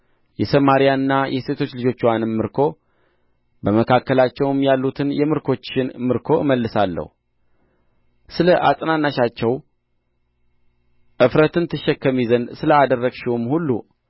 የሰማርያንና የሴቶች ልጆችዋንም ምርኮ በመካከላቸውም ያሉትን የምርኮኞችሽን ምርኮ እመልሳለሁ ስለ አጽናናሻቸው እፍረትን ትሸከሚ ዘንድ ስለ አደረግሽውም ሁሉ